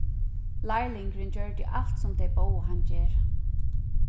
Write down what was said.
lærlingurin gjørdi alt sum tey bóðu hann gera